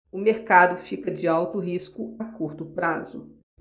o mercado fica de alto risco a curto prazo